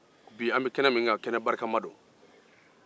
bi an be kɛnɛ min kan kɛnɛ barikama don